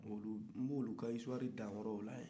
n bɛ olu ka histoiri dan o yɔrɔ la yen